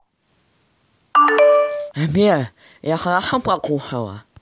сбер я хорошо покушала